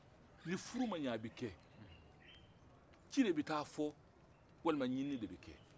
ni furu ma ɲɛ a bɛ kɛ ci de bɛ taa fɔ walima ɲinini de bɛ taa kɛ